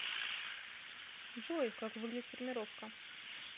джой как выглядит формировка